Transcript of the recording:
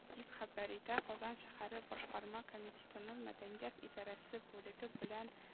Дип хәбәр итә казан шәһәре башкарма комитетының мәдәният идарәсе бүлеге белән